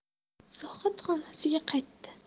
zohid xonasiga qaytdi